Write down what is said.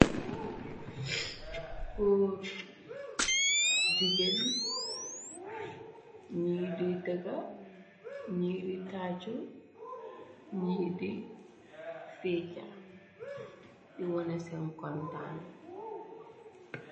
Góor jigeen gni di tëga gnii di taccu nii di feeca di wona sen kontaan.